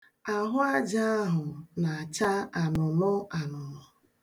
Ahụaja ahụ na-acha anụnụ anụnụ.